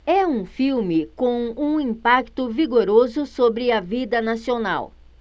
é um filme com um impacto vigoroso sobre a vida nacional